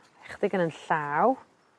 Chydig yn 'yn llaw.